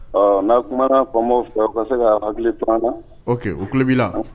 Ɔ n'a kumana famaw fɛ,o ka se ka hakili to an na, ok_ o tulo b'i la.